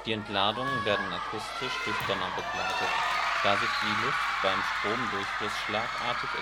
Entladungen werden akustisch durch Donner begleitet, da sich die Luft beim Stromdurchfluss schlagartig